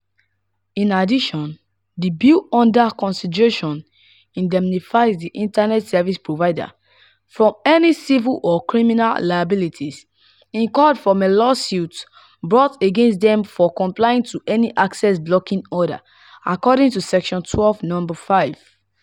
In addition, the bill under consideration indemnifies the internet service providers from any "civil or criminal liability" incurred from a lawsuit brought against them for "complying to any access blocking order", according to section 12, number 5.